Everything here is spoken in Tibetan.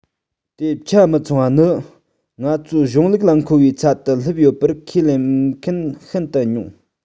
དེ ཆ མི ཚང བ ནི ང ཚོའི གཞུང ལུགས ལ མཁོ བའི ཚད དུ སླེབས ཡོད པར ཁས ལེན མཁན ཤིན ཏུ ཉུང